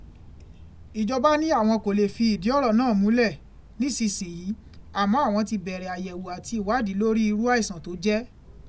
Ìjọba ní àwọn kò lè fi ìdí ọ̀rọ̀ náà múlẹ̀ ní ìsinsìnyí, àmọ́ àwọn ti bẹ̀rẹ̀ àyẹ̀wò àti ìwádìí lórí irú àìsàn tó jẹ́.